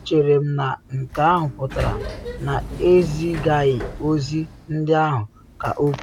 “Echere m na nke ahụ pụtara na ezigaghị ozi ndị ahụ,” ka o kwuru.